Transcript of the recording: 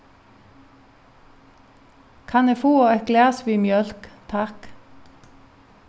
kann eg fáa eitt glas við mjólk takk